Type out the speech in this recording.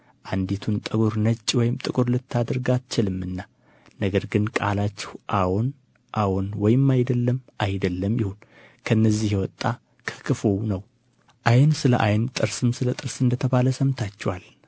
አንዲቱን ጠጉር ነጭ ወይም ጥቁር ልታደርግ አትችልምና ነገር ግን ቃላችሁ አዎን አዎን ወይም አይደለም አይደለም ይሁን ከነዚህም የወጣ ከክፉው ነው ዓይን ስለ ዓይን ጥርስም ስለ ጥርስ እንደ ተባለ ሰምታችኋል